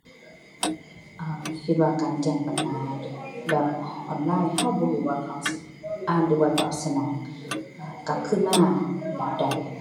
อ่า คิดว่าการแจ้งปัญหาแบบออนไลน์ เราบ่รู้ว่าเขาสิอ่านหรือว่าตอบสนอง อ่า กลับคืนมาแบบใด